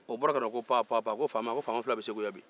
o bɔra kana o ko paapapa ko faama fila bɛ segu yan bi